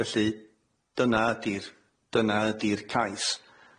Felly dyna ydi'r dyna ydi'r cais.